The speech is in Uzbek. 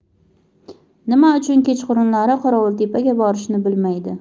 nima uchun kechqurunlari qorovultepaga borishini bilmaydi